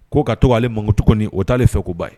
Ko ka to k'ale mankutu kɔni o t'ale fɛko ba ye